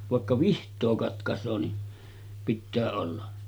vaikka vihtaa katkaisee niin pitää olla